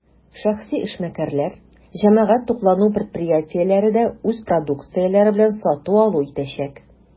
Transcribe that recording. Шәхси эшмәкәрләр, җәмәгать туклануы предприятиеләре дә үз продукцияләре белән сату-алу итәчәк.